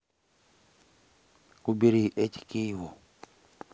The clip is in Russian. убери эти киеву